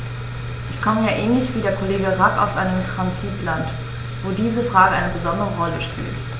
Ich komme ja ähnlich wie der Kollege Rack aus einem Transitland, wo diese Frage eine besondere Rolle spielt.